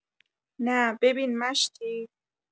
نه ببین مشتی